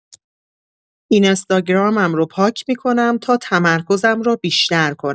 اینستاگرامم رو پاک می‌کنم تا تمرکزم رو بیشتر کنم.